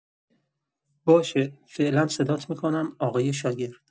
باشه، فعلا صدات می‌کنم آقای شاگرد.